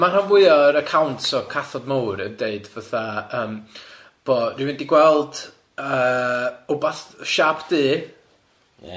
ma' rhan fwya o'r accounts o cathod mowr yn deud fatha yym bo- dwi'n mynd i gweld yy wbath siâp du... Ie.